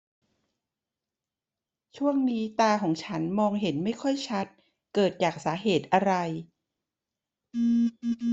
ช่วงนี้ตาของฉันมองเห็นไม่ค่อยชัดเกิดจากสาเหตุอะไร